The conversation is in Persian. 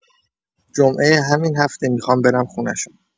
جمعه همین هفته می‌خوام برم خونه‌شون.